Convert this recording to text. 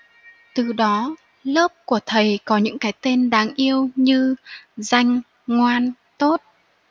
từ đó lớp của thầy có những cái tên đáng yêu như danh ngoan tốt